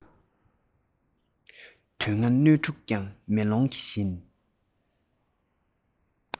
དོན ལྔ སྣོད དྲུག ཀྱང མེ ལོང བཞིན